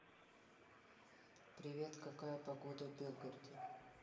привет какая погода в белгороде